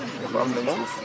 ñëpp am nañu suuf